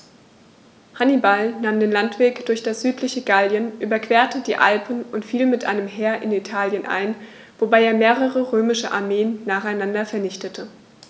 Hannibal nahm den Landweg durch das südliche Gallien, überquerte die Alpen und fiel mit einem Heer in Italien ein, wobei er mehrere römische Armeen nacheinander vernichtete.